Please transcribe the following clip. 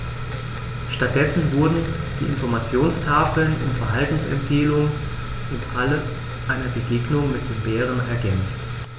Stattdessen wurden die Informationstafeln um Verhaltensempfehlungen im Falle einer Begegnung mit dem Bären ergänzt.